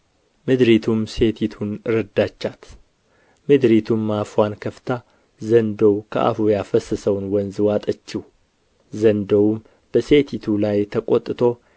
ምድሪቱም ሴቲቱን ረዳቻት ምድሪቱም አፍዋን ከፍታ ዘንዶው ከአፉ ያፈሰሰውን ወንዝ ዋጠችው ዘንዶውም በሴቲቱ ላይ ተቈጥቶ